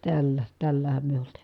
tällä tällähän me -